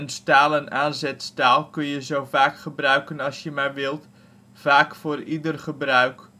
stalen aanzetstaal kun je zovaak gebruiken als je maar wilt, vaak voor ieder gebruik